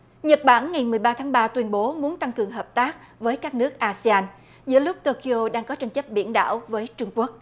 nhật bản ngày mười ba tháng ba tuyên bố muốn tăng cường hợp tác với các nước a se an giữa lúc tô ky ô đang có tranh chấp biển đảo với trung quốc